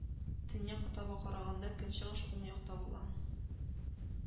Төньякка таба караганда, көнчыгыш уң яктан була